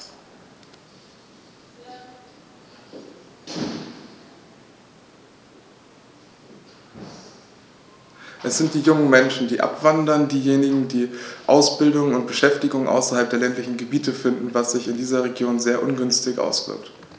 Es sind die jungen Menschen, die abwandern, diejenigen, die Ausbildung und Beschäftigung außerhalb der ländlichen Gebiete finden, was sich in diesen Regionen sehr ungünstig auswirkt.